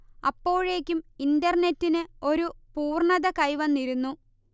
അപ്പോഴേക്കും ഇന്റർനെറ്റിന് ഒരു പൂർണ്ണത കൈവന്നിരുന്നു